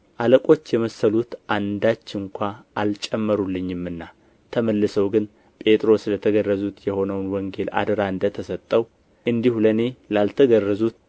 አለቆች የመሰሉት አንዳች እንኳ አልጨመሩልኝምና ተመልሰው ግን ጴጥሮስ ለተገረዙት የሆነው ወንጌል አደራ እንደ ተሰጠው እንዲሁ ለእኔ ላልተገረዙት